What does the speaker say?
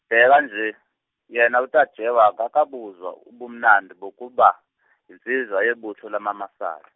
bheka nje, yena uTajewo akakabuzwa ubumnandi bokuba, yinsizwa yebutho lamaMasayi.